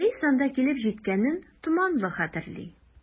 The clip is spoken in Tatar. Рәис анда килеп җиткәнен томанлы хәтерли.